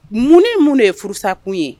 Mun mun de ye furusa kun ye